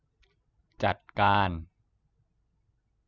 จัดการ